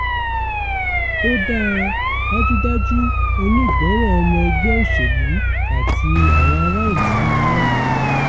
Ó dáa, dájúdájú onígbọràn ọmọ ẹgbẹ́ òṣèlú àti àwọn ará ìlú ni ọ́.